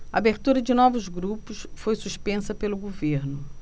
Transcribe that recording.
a abertura de novos grupos foi suspensa pelo governo